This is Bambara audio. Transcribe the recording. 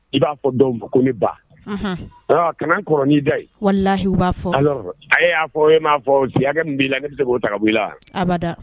I b'a fɔ dɔw ma ko ne ba, unhun, aa kana n kɔrɔ n'i da ye, walahi u b'a fɔ, alors a y'a fɔ e m'a fɔ si hakɛ min b'i la ne bɛ se k'o ta ka bɔ i la, abada